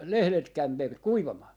lehdet - kuivamaan